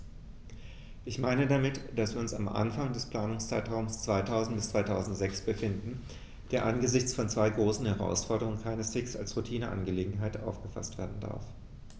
Ich meine damit, dass wir uns am Anfang des Planungszeitraums 2000-2006 befinden, der angesichts von zwei großen Herausforderungen keineswegs als Routineangelegenheit aufgefaßt werden darf.